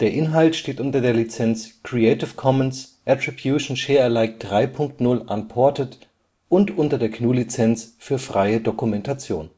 Inhalt steht unter der Lizenz Creative Commons Attribution Share Alike 3 Punkt 0 Unported und unter der GNU Lizenz für freie Dokumentation